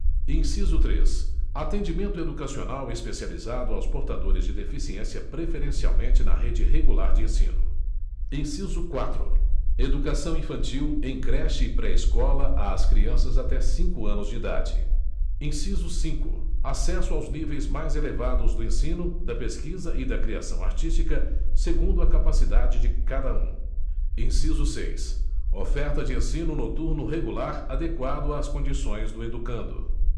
inciso três atendimento educacional especializado aos portadores de deficiência preferencialmente na rede regular de ensino inciso quatro educação infantil em creche e pré escola às crianças até cinco anos de idade inciso cinco acesso aos níveis mais elevados do ensino da pesquisa e da criação artística segundo a capacidade de cada um inciso seis oferta de ensino noturno regular adequado às condições do educando